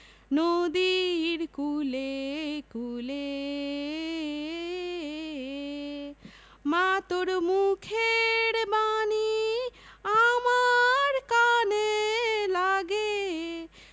নদীর কূলে কূলে মা তোর মুখের বাণী আমার কানে লাগে